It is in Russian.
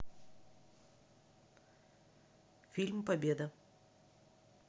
фильм победа